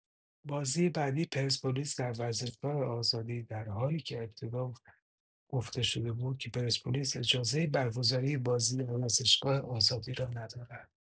بازی بعدی پرسپولیس در ورزشگاه آزادی در حالی که ابتدا گفته‌شده بود که پرسپولیس اجازه برگزاری بازی در ورزشگاه آزادی را ندارد!